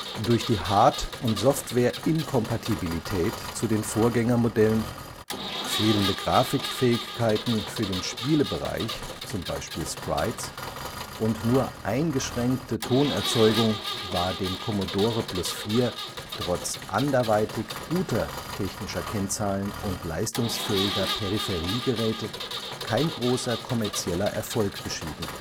Durch die Hard - und Softwareinkompatibilität zu den Vorgängermodellen, fehlende Grafikfähigkeiten für den Spiele-Bereich (Sprites) und nur eingeschränkte Tonerzeugung war dem Commodore Plus/4 trotz anderweitig guter technischer Kennzahlen und leistungsfähiger Peripheriegeräte kein großer kommerzieller Erfolg beschieden